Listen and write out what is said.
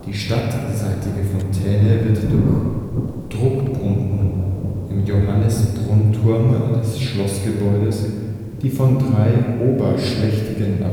stadtseitige Fontäne wird durch Druckpumpen im Johannis-Brunnturm des Schlossgebäudes, die von drei oberschlächtigen